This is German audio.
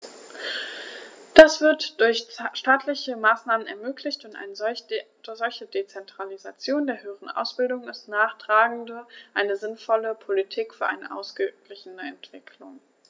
Das wird durch staatliche Maßnahmen ermöglicht, und eine solche Dezentralisation der höheren Ausbildung ist nachgerade eine sinnvolle Politik für eine ausgeglichene Entwicklung.